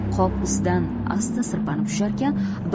qop ustidan asta sirpanib tusharkan